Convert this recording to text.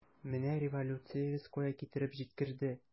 Менә революциягез кая китереп җиткерде!